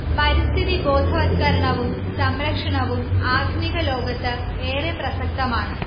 പരിസ്ഥി ബോധവത്ക്കരണവും സംരക്ഷണവും ആധുനിക ലോകത്ത് ഏറെ പ്രസക്തമാണ്